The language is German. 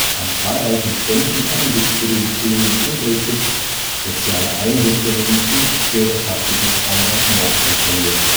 An zahlreichen Ständen kann man sich zu den Themen Umweltschutz, soziale Einrichtungen und bürgerschaftliches Engagement informieren